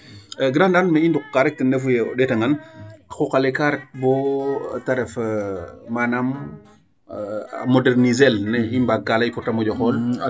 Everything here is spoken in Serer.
Grand Ndane me i nduqkaa rek ten refu yee a qooq ale ka ret boo ta ref manaam moderniser el ne i mbaagkaa lay pour moƴo xool?